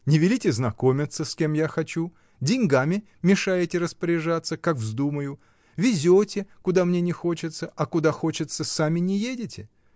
Не велите знакомиться, с кем я хочу, деньгами мешаете распоряжаться, как вздумаю, везете, куда мне не хочется, а куда хочется, сами не едете.